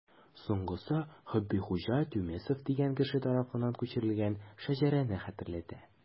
Соңгысы Хөббихуҗа Тюмесев дигән кеше тарафыннан күчерелгән шәҗәрәне хәтерләтә.